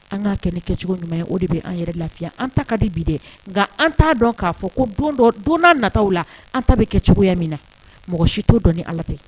An ka kɛ ni kɛcogo ɲuman o de bɛ an yɛrɛ lafiya an ta ka di bi nka an t'a dɔn k'a fɔ ko don dɔ don na nataw la an ta bɛ kɛcogoya min na mɔgɔ si t'o dɔn ni Ala